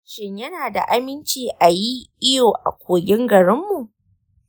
shin yana da aminci a yi iyo a kogin garinmu?